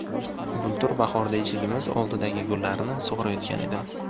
bultur bahorda eshigimiz oldidagi gullarni sug'orayotgan edim